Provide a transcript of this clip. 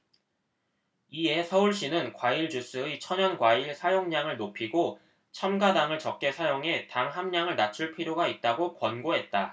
이에 서울시는 과일주스의 천연과일 사용량을 높이고 첨가당을 적게 사용해 당 함량을 낮출 필요가 있다고 권고했다